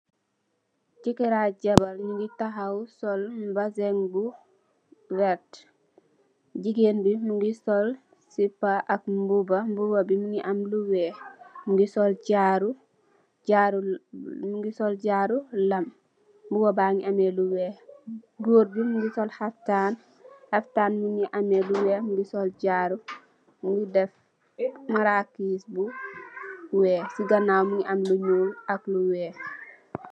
Jekarr ak jabarr nyungii tahaw sol mbaseh bu vertii, jigen bi mungii sol sipa ak mbubaa, mbubaa bii mungii amm lu wehk, mungi sol jaro lamm, mbubaa bangi amm lu wehk. Gorr bi mungii sol kaftan, kaftan bangi amm lu wehk, mungi deff jaro. Mungi sol marakiss bu wehk, si ganaw mungii amm lou nyoul ak wehk.